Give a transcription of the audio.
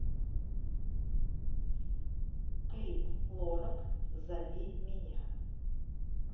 клип лорак зови меня